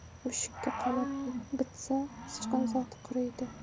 mushukka qanot bitsa sichqon zoti quriydi